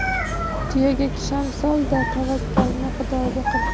tuyaga kishan sol da tavakkalni xudoga qil